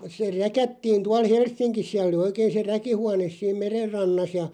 se räkättiin tuolla Helsingissä siellä oli oikein se räkihuone siinä meren rannassa ja